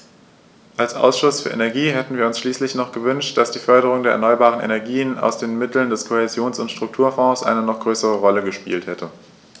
Als Ausschuss für Energie hätten wir uns schließlich noch gewünscht, dass die Förderung der erneuerbaren Energien aus den Mitteln des Kohäsions- und Strukturfonds eine noch größere Rolle gespielt hätte.